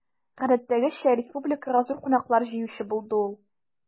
Гадәттәгечә, республикага зур кунаклар җыючы булды ул.